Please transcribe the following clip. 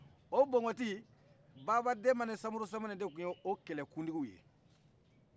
o bonboti baba denba ni samuru saminɛ de tun ye'o kɛlɛ kuntigi